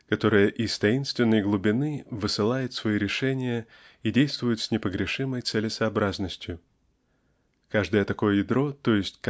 которое из таинственной глубины высылает свои решения и действует с непогрешимой целесообразностью. Каждое такое ядро, т. е.